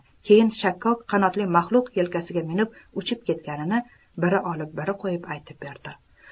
keyin shakkok qanotli maxluq yelkasiga minib uchib ketganini biri olib biri qo'yib aytib berdi